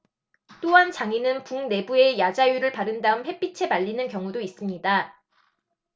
또한 장인은 북 내부에 야자유를 바른 다음 햇빛에 말리는 경우도 있습니다